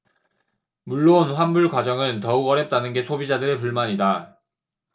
물론 환불과정은 더욱 어렵다는 게 소비자들의 불만이다